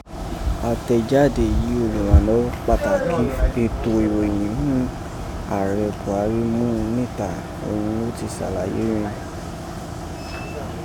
Atẹjade yìí olurannọwọ pataki gheto iroyẹ̀n ghún aarẹ Buhari mú nita òghun ó ti salaye rin.